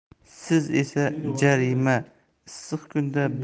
siz esa jazirama issiq kunda